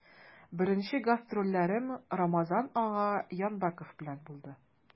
Беренче гастрольләрем Рамазан ага Янбәков белән булды.